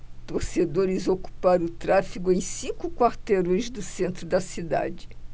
torcedores ocuparam o tráfego em cinco quarteirões do centro da cidade